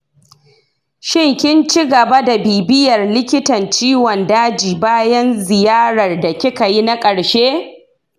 shin kin cigaba da bibiyar likitan ciwon daji bayan ziyarar da kikayi na karshe?